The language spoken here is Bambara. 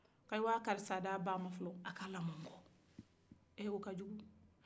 k'a ye wa karisa d'a ba ma fɔlɔ a ka lamɔ nkɔ e o ka juku